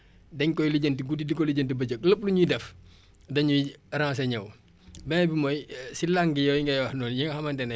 lépp lu ñuy def dañuy renseigner wu beneen bi mooy % si langues yooyu ngay wax noonu yi nga xamante ne jot nañ ko codifiées di si def kii bi